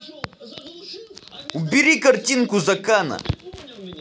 убери картинку закана